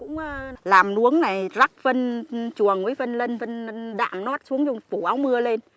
cũng làm luống này rắc phân chuồng với phân lân phân đạm lót xuống rồi phủ áo mưa lên